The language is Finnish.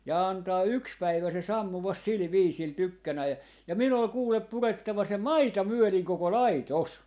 ja antaa yksi päivä se sammua sillä viisillä tykkänään ja minun oli kuule purettava se maita myöden koko laitos